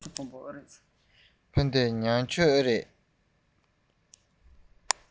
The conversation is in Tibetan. ཕ གི མྱང ཆུ རེད པས